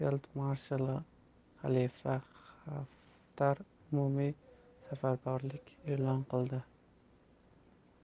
xaftar umumiy safarbarlik e'lon qildi